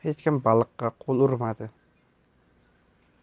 hech kim baliqqa qo'l urmadi